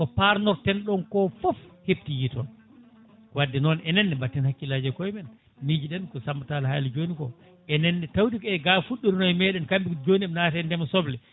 ko parnortoɗen ɗon ko foof hettoyi toon wadde noon enenne mbatten hakkillaji e koyemen miijoɗen ko Samba Tall haali joni ko enenne tawde ko e ga fuɗɗorino e meɗen kamɓe joni ɓe naate ndeema soble